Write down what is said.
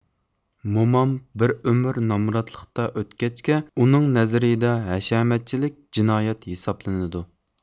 مومام بىر ئۆمۈر نامراتلىقتا ئۆتكەچكە ئۇنىڭ نەزىرىدە ھەشەمەتچىلىك جىنايەت ھېسابلىنىدۇ